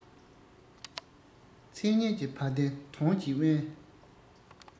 མཚན སྙན གྱི བ དན དོན གྱིས དབེན